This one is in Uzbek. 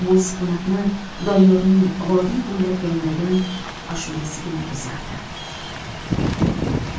bu sukunatni doniyorning vodiy bo'ylab yangragan ashulasigina buzardi